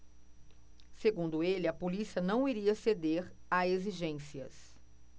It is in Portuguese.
segundo ele a polícia não iria ceder a exigências